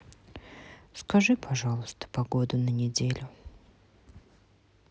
скажи пожалуйста погоду на неделю